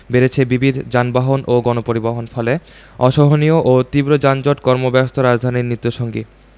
বেড়েছে বিবিধ যানবাহন ও গণপরিবহন ফলে অসহনীয় ও তীব্র যানজট কর্মব্যস্ত রাজধানীর নিত্যসঙ্গী